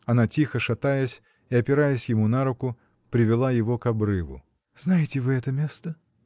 Она тихо, шатаясь и опираясь ему на руку, привела его к обрыву. — Знаете вы это место?